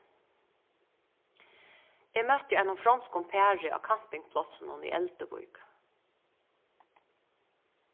eg møtti einum fronskum pari á kampingplássinum í elduvík